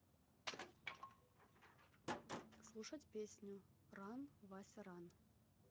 слушать песню ран вася ран